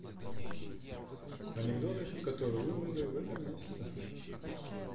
актеры которые умерли в этом месяце